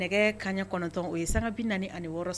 Nɛgɛ kaɲa kɔnɔntɔn o ye san bin naani ani wɔɔrɔ sɔrɔ